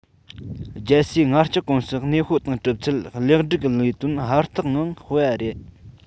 རྒྱལ སའི ངར ལྕགས ཀུང སི གནས སྤོ དང གྲུབ ཚུལ ལེགས སྒྲིག གི ལས དོན ཧུར ཐག ངང སྤེལ བ རེད